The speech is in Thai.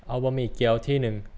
เอาบะหมี่เกี๊ยวที่นึง